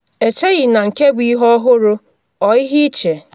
“Echeghị m na nke bụ ihe ọhụrụ, ọ ihe ị che?”